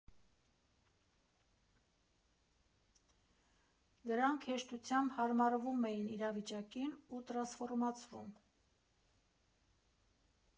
Դրանք հեշտությամբ հարմարվում էին իրավիճակին ու տրանսֆորմացվում։